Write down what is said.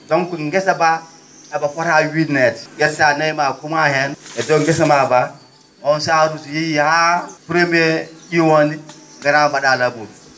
donc ngesa mbaa emba fotaa winneede ?ettaa nayi maa kumaa heen e dow ngesa ma mbaa oon saatu so yahii haa premier ?iwonde ngaraa mba?aa laboure